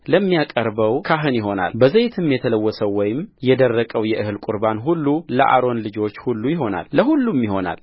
ለሚያቀርበው ካህን ይሆናል በዘይትም የተለወሰው ወይም የደረቀው የእህል ቍርባን ሁሉ ለአሮን ልጆች ሁሉ ይሆናል ለሁሉም ይሆናል